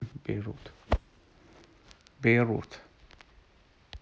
бейрут